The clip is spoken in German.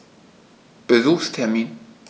Besuchstermin